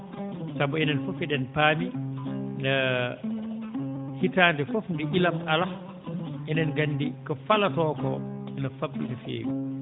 sabu enen fof eɗen paami hitaande fof nde ilam alaa eɗen nganndi ko falatoo koo ina famɗi no feewi